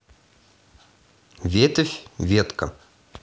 ветвь ветка